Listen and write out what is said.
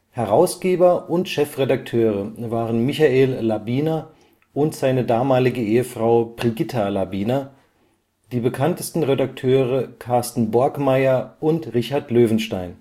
Herausgeber und Chefredakteure waren Michael Labiner und seine damalige Ehefrau Brigitta Labiner, die bekanntesten Redakteure Carsten Borgmeier und Richard Löwenstein